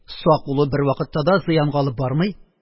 Сак булу бервакытта да зыянга алып бармый